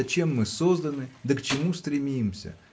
зачем мы созданы да к чему стремимся